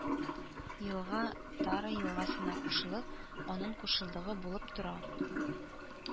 Елга Тара елгасына кушылып, аның кушылдыгы булып тора